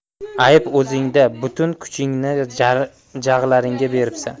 ayb o'zingda butun kuchingni jag'laringga beribsan